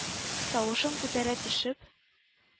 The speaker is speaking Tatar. Тавышын күтәрә төшеп: